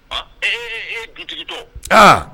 Dutigitɔ aa